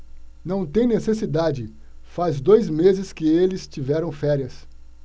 não tem necessidade faz dois meses que eles tiveram férias